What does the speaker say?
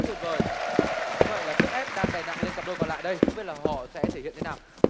sức ép đang đè nặng lên cặp đôi còn lại đây không biết là họ sẽ thể hiện thế nào